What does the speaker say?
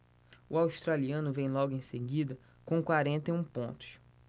o australiano vem logo em seguida com quarenta e um pontos